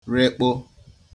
rekpo